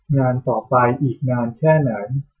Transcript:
งานต่อไปอีกนานแค่ไหน